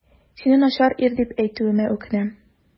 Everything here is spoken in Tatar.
Сине начар ир дип әйтүемә үкенәм.